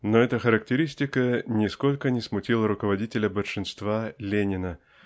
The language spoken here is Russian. Но эта характеристика нисколько не смутила руководителя большинства Ленина